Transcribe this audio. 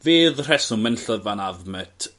fe odd y rheswm enillodd van Avermaet